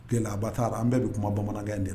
Gɛlɛ aba taara an bɛɛ bɛ kuma bamanankɛ in de la